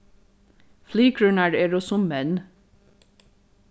flykrurnar eru sum menn